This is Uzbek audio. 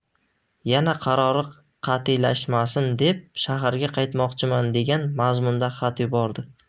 yana qarori qatiylashmasin deb shaharga qaytmoqchiman degan mazmunda xat yubordi